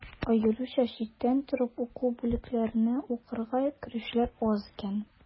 Аеруча читтән торып уку бүлекләренә укырга керүчеләр аз икән.